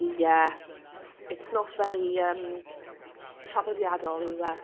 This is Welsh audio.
Yeah it's not very yym traddodiadol yw e?